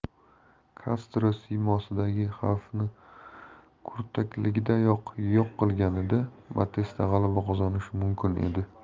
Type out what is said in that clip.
kastro siymosidagi xavfni kurtakligidayoq yo'q qilganida batista g'alaba qozonishi mumkin edi